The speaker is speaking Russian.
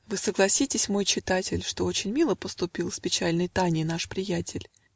Вы согласитесь, мой читатель, Что очень мило поступил С печальной Таней наш приятель